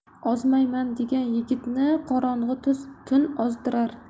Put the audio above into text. ozmayman degan yigitni qorong'u tun ozdirar